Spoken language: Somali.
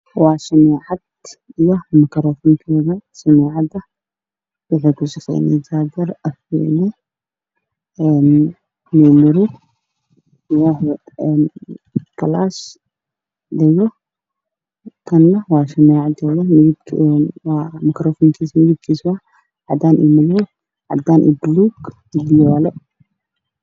Waa miis waxaa saran samiicad midabkeedu yahay caddaan waxaa ag yaal macron madow ah caddaan ah